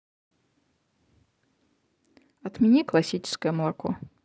отмени классическое молоко